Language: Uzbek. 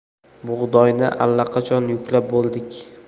bug'doyni allaqachon yuklab bo'ldik